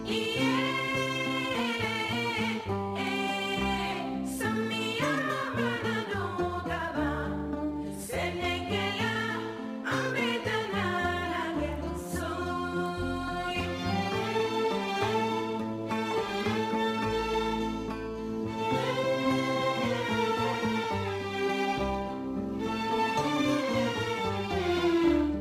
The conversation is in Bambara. Miniyan sami ba ka se a bɛtan so